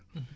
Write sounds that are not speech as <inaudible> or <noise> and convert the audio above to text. <hesitation> <hesitation>